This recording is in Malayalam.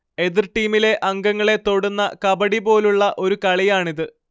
എതിർ ടീമിലെ അംഗങ്ങളെ തൊടുന്ന കബഡിപോലുള്ള ഒരു കളിയാണിത്